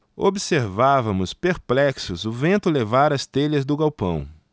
observávamos perplexos o vento levar as telhas do galpão